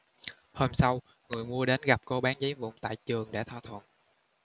hôm sau người mua đến gặp cô bán giấy vụn tại trường để thỏa thuận